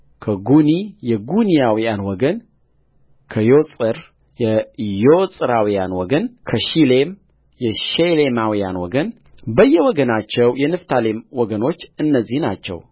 ከጉኒ የጉናውያን ወገንከዬጽር የዬጽራውያን ወገን ከሺሌም የሺሌማውያን ወገንበየወገናቸው የንፍታሌም ወገኖች እነዚህ ናቸው